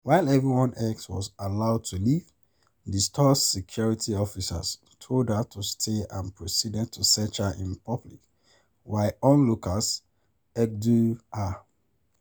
While everyone else was allowed to leave, the store's security officers told her to stay and proceeded to search her in public while onlookers heckled her.